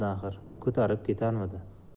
da axir ko'tarib ketarmidi